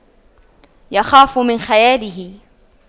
يخاف من خياله